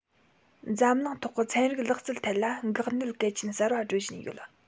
འཛམ གླིང ཐོག གི ཚན རིག ལག རྩལ ཐད ལ འགག གནད གལ ཆེན གསར པ སྒྲོལ བཞིན ཡོད